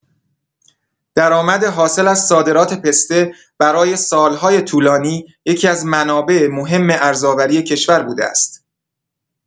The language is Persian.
درآمد حاصل از صادرات پسته برای سال‌های طولانی یکی‌از منابع مهم ارزآوری کشور بوده است.